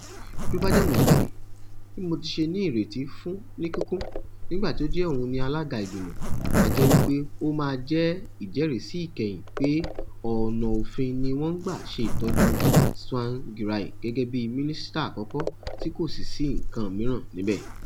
Bí ó bá jẹ́ Mugabe, bí mo ti ṣe ní ìrètí fún ní kíkún, nígbà tí ó jẹ́ òun ni alága ìgbìmọ̀, á jẹ́ wí pé ó máa jẹ́ ìjẹ́rísí ìkẹyìn pé ọ̀nà òfin ni wọ́n ń gbà ṣe ìtọ́jú Tsavangirai gẹ́gẹ́ bí Mínísítà àkọ́kọ́ tí kò sì sí nǹkan mìíràn níbẹ̀.